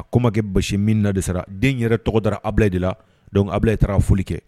A ko ma kɛ basi min na de sara den yɛrɛ tɔgɔ da abila de la ayi taara foli kɛ